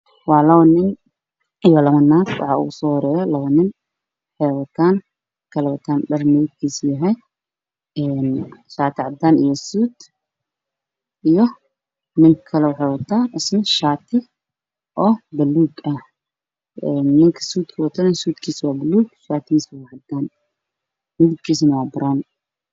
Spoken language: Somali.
Waa labo nin io labo naago wxaa ugu soo horeyo labo nin wxey wadaan dhar midibkisa yahy shaati cadan io suud ninka kle neh wxuu wadaa shaati oo baluug ah ninka suuda watada neh waa baluug io shaati cadaan midibkisa neh waa baroon